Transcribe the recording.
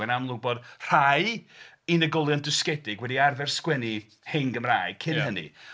Mae'n amlwg bod rhai unigolion dysgiedig wedi arfer sgwennu hen Gymraeg, cyn hynny.